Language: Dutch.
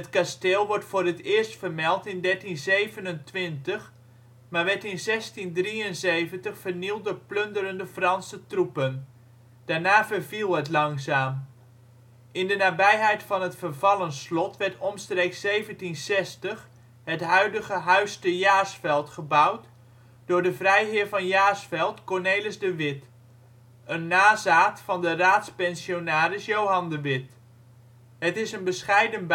kasteel wordt voor het eerst vermeld in 1327, maar werd in 1673 vernield door plunderende Franse troepen. Daarna verviel het langzaam. In de nabijheid van het vervallen slot werd omstreeks 1760 het huidige Huis te Jaarsveld gebouwd door de vrijheer van Jaarsveld, Cornelis de Witt, een nazaat van de raadspensionaris Johan de Witt. Het is een bescheiden